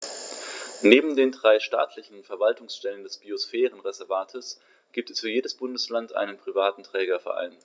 Neben den drei staatlichen Verwaltungsstellen des Biosphärenreservates gibt es für jedes Bundesland einen privaten Trägerverein.